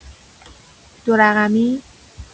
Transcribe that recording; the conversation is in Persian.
دو رقمی؟